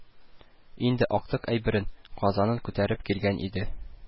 Инде актык әйберен – казанын күтәреп килгән иде